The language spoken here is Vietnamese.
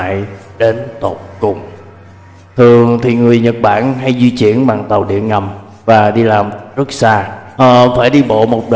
sợ hãi đến tột cùng thường thì người nhật bản hay di chuyển bằng tàu điện ngầm và đi làm rất xa phải đi bộ